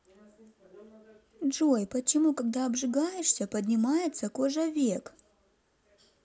джой почему когда обжигаешься поднимается кожа век